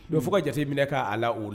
U bɛ fo ka jate minɛ k'a la o la